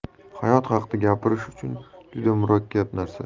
hayot haqida gapirish uchun juda murakkab narsa